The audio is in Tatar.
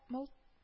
Мыл